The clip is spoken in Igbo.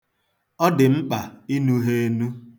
Ọ dị mkpa inu ha enu.